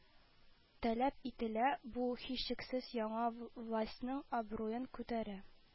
Таләп ителә, бу, һичшиксез, яңа властьның абруен күтәрә